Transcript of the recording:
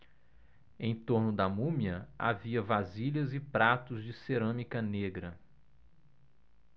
em torno da múmia havia vasilhas e pratos de cerâmica negra